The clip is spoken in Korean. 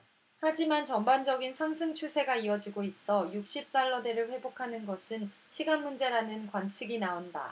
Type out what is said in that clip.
하지만 전반적인 상승 추세가 이어지고 있어 육십 달러대를 회복하는 것은 시간문제라는 관측이 나온다